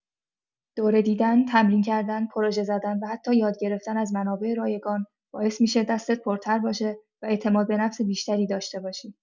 دوره دیدن، تمرین کردن، پروژه زدن و حتی یاد گرفتن از منابع رایگان، باعث می‌شه دستت پرتر باشه و اعتمادبه‌نفس بیشتری داشته باشی.